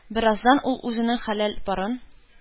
Бераздан ул үзенең хәләл парын